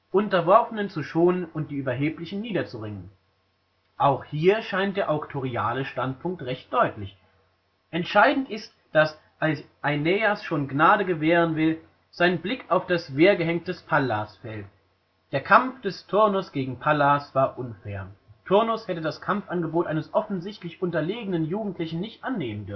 Unterworfene zu schonen und die Überheblichen niederzuringen)? Auch hier scheint der auktoriale Standpunkt recht deutlich: Entscheidend ist, dass, als Aeneas schon Gnade gewähren will, sein Blick auf das Wehrgehenk des Pallas fällt. Der Kampf des Turnus gegen Pallas war unfair. Turnus hätte das Kampfangebot eines offensichtlich unterlegenen Jugendlichen nicht annehmen